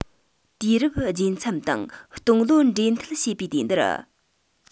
དུས རབས བརྗེ མཚམས དང སྟོང ལོ འབྲེལ མཐུད བྱེད པའི དུས འདིར